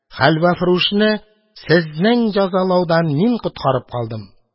Хәлвәфрүшне сезнең җәзалаудан мин коткарып калдым.